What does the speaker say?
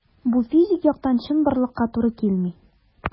Бу физик яктан чынбарлыкка туры килми.